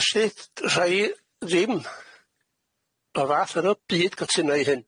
Bysnydd rhei ddim y fath yn y byd cytunau hyn.